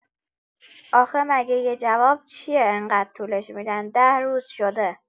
آخه مگه یه جواب چیه اینقدر طولش می‌دن ۱۰ روز شده